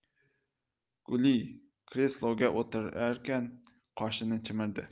guli kresloga o'tirarkan qoshini chimirdi